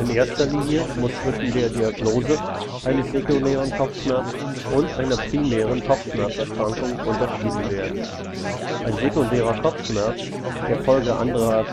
erster Linie muss zwischen der Diagnose eines sekundären Kopfschmerzes und einer primären Kopfschmerzerkrankung unterschieden werden. Ein sekundärer Kopfschmerz, der Folge anderer